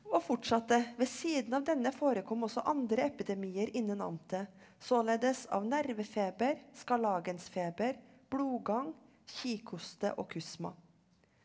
og fortsatte, ved siden av denne forekom også andre epidemier innen amtet, således av nervefeber, skarlagensfeber, blodgang, kikhoste og kusma.